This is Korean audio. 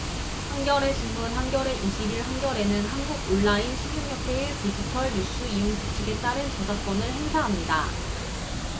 한겨레신문 한겨레 이십 일 한겨레는 한국온라인신문협회의 디지털뉴스이용규칙에 따른 저작권을 행사합니다